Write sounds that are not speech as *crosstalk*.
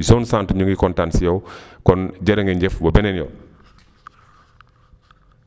zone centre ñu ngi kontaan si yow *breath* kon jërë ngeen jëf ba beneen yoon *noise*